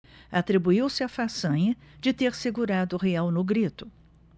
atribuiu-se a façanha de ter segurado o real no grito